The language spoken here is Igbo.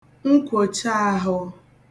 nkwòchaàhụ